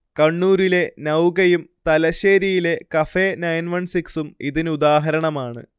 കണ്ണൂരിലെ നൗകയും തലശ്ശേരിയിലെ കഫേ തൊള്ളായിരത്തിപതിനാറും ഇതിനുദാഹരണമാണ്